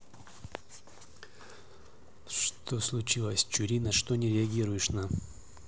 что случилось чурина что не реагируешь на